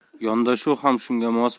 yondashuv ham shunga